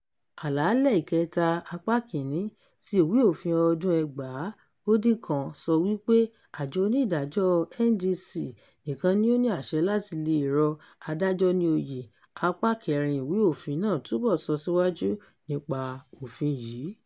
Àlàálẹ̀ Ìkẹta, Apá 1, ti ìwé òfin ọdún-un 1999 sọ wípé Àjọ Onídàájọ́ (NJC) nìkan ni ó ní àṣẹ láti lè rọ adájọ́ ní oyè. Apá IV ìwé òfin náà túbọ̀ sọ síwájú nípa òfin yìí.